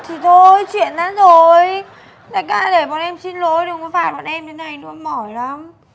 thì thôi chuyện đã rồi đại ca để bọn em xin lỗi đừng có phạt bọn em thế này nữa mỏi lắm